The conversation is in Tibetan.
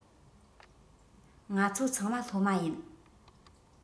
ང ཚོ ཚང མ སློབ མ ཡིན